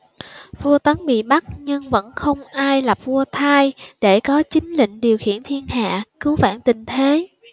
vua tấn bị bắt nhưng vẫn không ai lập vua thay để có chính lệnh điều khiển thiên hạ cứu vãn tình thế